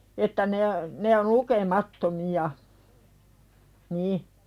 että ne ne on lukemattomia niin